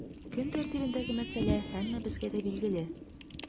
Көн тәртибендәге мәсьәлә һәммәбезгә дә билгеле.